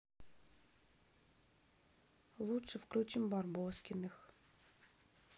лучше включим барбоскиных